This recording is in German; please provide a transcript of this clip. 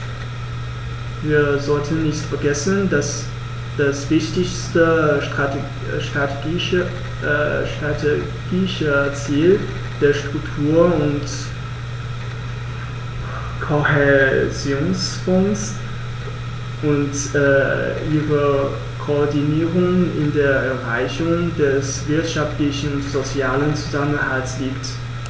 Wir sollten nicht vergessen, dass das wichtigste strategische Ziel der Struktur- und Kohäsionsfonds und ihrer Koordinierung in der Erreichung des wirtschaftlichen und sozialen Zusammenhalts liegt.